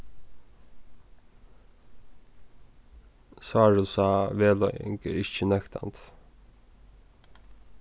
sárusa vegleiðing er ikki nøktandi